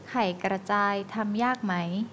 ไข่กระจายทำยากไหม